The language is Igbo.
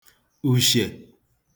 ùshè